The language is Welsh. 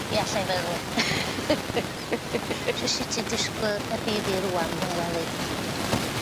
I allai feddwl. Shw 'sy ti disgwl y bydd 'i rŵan pan weli di hi?